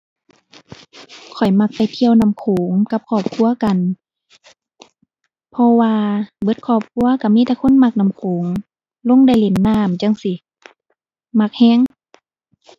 ข้อยมักไปเที่ยวน้ำโขงกับครอบครัวกัน เพราะว่าเบิดครอบครัวก็มีแต่คนมักน้ำโขง ลงได้เล่นน้ำจั่งซี้ มักก็